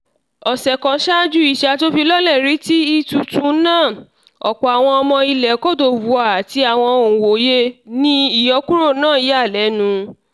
Ọ̀sẹ̀ kan ṣáájú ìṣàtúnfilọ́lẹ̀ RTI tuntun náà, ọ̀pọ̀ àwọn ọmọ ilẹ̀ Cote d'Ivoire àti àwọn òǹwòye ni ìyọkúrò náà yà lẹ́nu.